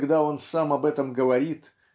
когда он сам об этом говорит